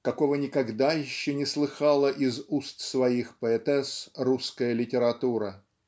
какого никогда еще не слыхала из уст своих поэтесс русская литература.